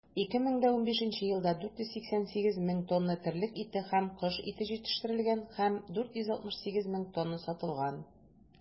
2015 елда 488 мең тонна терлек ите һәм кош ите җитештерелгән һәм 468 мең тонна сатылган.